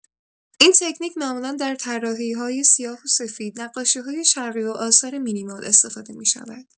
این تکنیک معمولا در طراحی‌های سیاه‌وسفید، نقاشی‌های شرقی و آثار مینیمال استفاده می‌شود.